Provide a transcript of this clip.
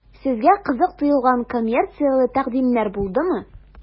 Сезгә кызык тоелган коммерцияле тәкъдимнәр булдымы?